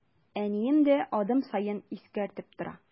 Әнием дә адым саен искәртеп тора.